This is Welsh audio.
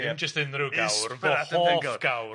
Dim jyst unrhyw gawr. Fy hoff gawr.